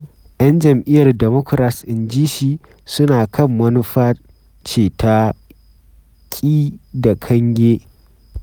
‘Yan jam’iyyar Democrat, inji shi, suna kan manufa ce ta “ƙi da kange.”